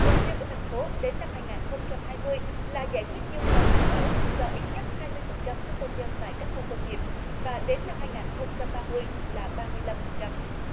mục tiêu của thành phố đến năm hai ngàn không trăm hai mươi là giải quyết nhu cầu nhà ở cho ít nhất hai mươi phần trăm số công nhân tại các khu công nghiệp và đến năm hai ngàn không trăm ba mươi là ba mươi lăm phần trăm